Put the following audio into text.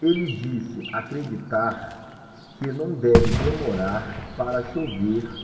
ele disse acreditar que não deve demorar para chover